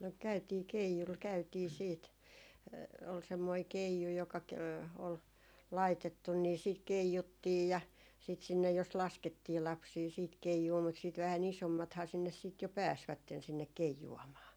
no käytiin keijulla käytiin sitten oli semmoinen keiju joka - oli laitettu niin sitten keijuttiin ja sitten sinne jos laskettiin lapsia sitten keijuun mutta sitten vähän isommathan sinne sitten jo pääsivät sinne keijuamaan